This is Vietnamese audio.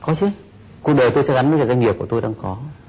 có chứ cuộc đời tôi sẽ gắn với nhiều doanh nghiệp của tôi đang có